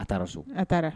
A taara so a taara